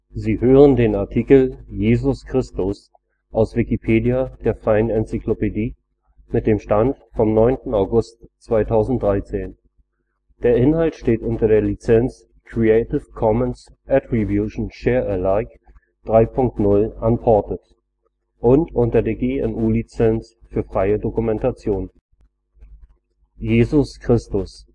Sie hören den Artikel Jesus Christus, aus Wikipedia, der freien Enzyklopädie. Mit dem Stand vom Der Inhalt steht unter der Lizenz Creative Commons Attribution Share Alike 3 Punkt 0 Unported und unter der GNU Lizenz für freie Dokumentation. Dieser Artikel behandelt Jesus Christus, wie ihn die urchristlichen Schriften darstellen. Zur historischen Person siehe Jesus von Nazaret. Zu weiteren Bedeutungen siehe Jesus (Begriffsklärung) und Christus (Begriffsklärung). Christus-Darstellung in Sant'Apollinare Nuovo, Ravenna, 6. Jahrhundert Jesus Christus